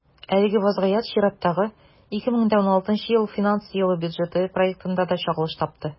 Әлеге вазгыять чираттагы, 2016 финанс елы бюджеты проектында да чагылыш тапты.